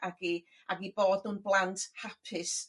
ag 'u ag 'u bod nw'n blant hapus